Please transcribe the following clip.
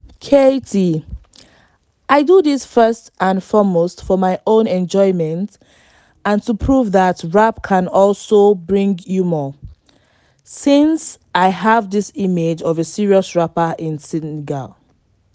Keyti : I do this first and foremost for my own enjoyment and to prove that rap can also bring humour, since I have this image of a serious rapper in Senegal.